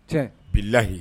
Tiɲɛ' layi